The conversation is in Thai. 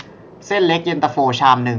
เส้นเล็กเย็นตาโฟชามนึง